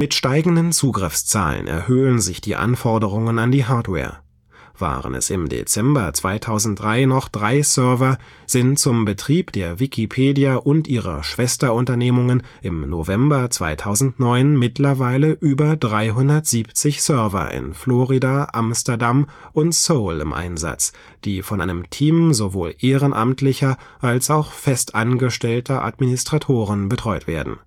steigenden Zugriffszahlen erhöhten sich die Anforderungen an die Hardware. Waren es im Dezember 2003 noch drei Server, sind zum Betrieb der Wikipedia und ihrer Schwesterunternehmungen im November 2009 mittlerweile über 370 Server in Florida, Amsterdam und Seoul im Einsatz, die von einem Team sowohl ehrenamtlicher als auch fest angestellter Administratoren betreut werden